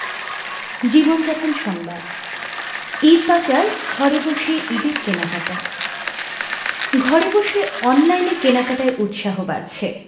জীবনযাপন সংবাদ ঈদবাজার ঘরে বসেই ঈদের কেনাকাটা ঘরে বসে অনলাইনে কেনাকাটায় উৎসাহ বাড়ছে